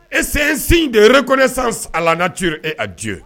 E sen sin derekɛ san a la ci e a diya ye